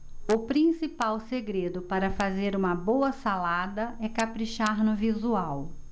o principal segredo para fazer uma boa salada é caprichar no visual